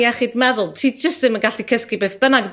Iechyd meddwl ti jyst ddim yn gallu cysgu beth bynnag.